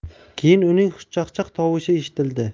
keyin uning xushchaqchaq tovushi eshitildi